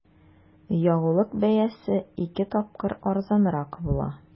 Ягулык бәясе ике тапкыр арзанрак була.